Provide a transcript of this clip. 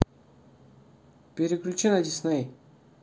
переключи на дисней